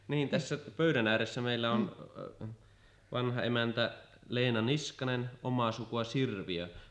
niin tässä pöydän ääressä meillä on vanhaemäntä Leena Niskanen omaa sukua Sirviö